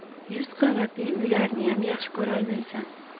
yuz qavatli uylarniyam yaxshi ko'rolmaysan